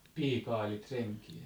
piikaa eli renkiä